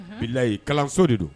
Unhun. Bilahi kalanso de don.